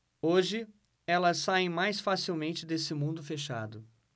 hoje elas saem mais facilmente desse mundo fechado